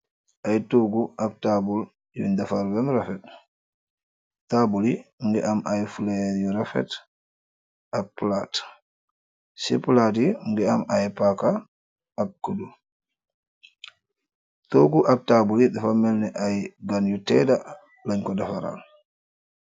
ay tuggu ak taabul yuñ dafar wem rafet taabul yi ngi am ay fler yu rafet ak plate siplaat yi ngi am ay paaka ak kuddu toogu ak taabul yi dafa melni ay gan yu teeda lañ ko defaral